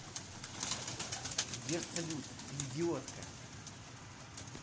сбер салют ты идиотка